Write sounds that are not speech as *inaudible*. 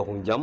*hesitation* *hesitation*